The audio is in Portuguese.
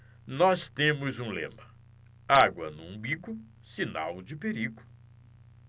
nós temos um lema água no umbigo sinal de perigo